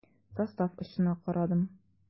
Состав очына карадым.